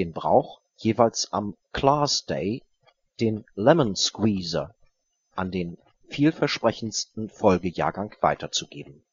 Brauch, jeweils am „ Class Day “den Lemon Squeezer an den vielversprechendsten Folgejahrgang weiterzugeben